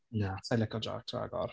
Na, sa i'n lico Jax ragor.